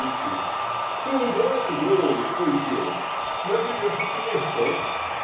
- кричит: - Куда ты голый пойдешь?. На тебе хоть мешок.